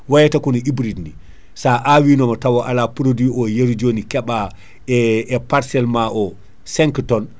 wayata kono hybride ni sa awinomo tawa ala produit o hewi joni keɓa e e parcelle ma o 5 tonnes